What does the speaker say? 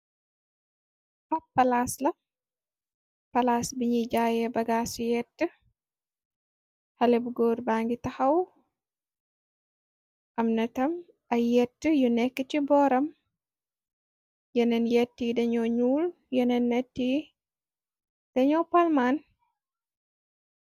Fee palaas la palaas bi ñiy jaaye bagaas. Ci yett xaleb góor ba ngi taxaw am natam ay yett yu nekk ci booram. Yeneen yett yi dañoo ñuul yeneen nett yi dañoo palmaan.